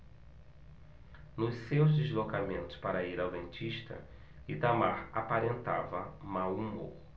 nos seus deslocamentos para ir ao dentista itamar aparentava mau humor